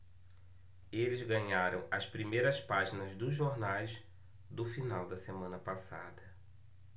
eles ganharam as primeiras páginas dos jornais do final da semana passada